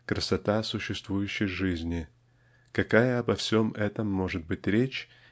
красота существующей жизни -- какая обо всем этом может быть речь